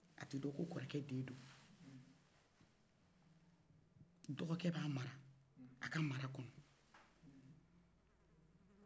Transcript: a tɛ dɔ ko kɔrɔkɛ den don dɔgɔ kɛ b'a mara a ka mara kɔnɔ